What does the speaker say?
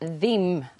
ddim